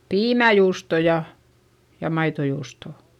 piimäjuustoa ja ja maitojuustoa